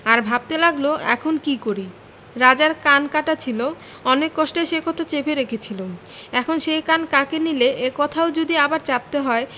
আর ভাবতে লাগল এখন কী করি রাজার কান কাটা ছিল অনেক কষ্টে সে কথা চেপে রেখেছিলুম এখন সেই কান কাকে নিলে এ কথাও যদি আবার চাপতে হয়